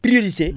priorité